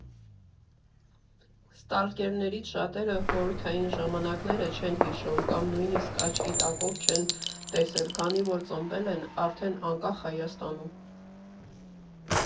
Ստալկերներից շատերը խորհրդային ժամանակները չեն հիշում, կամ նույնիսկ աչքի տակով չեն տեսել, քանի որ ծնվել են արդեն անկախ Հայաստանում։